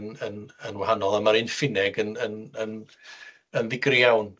yn yn yn wahanol, a ma'r un Ffinneg yn yn yn yn ddigri iawn.